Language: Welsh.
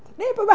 Neb yma!